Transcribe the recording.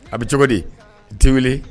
A bɛ cogo di? I tɛ wili?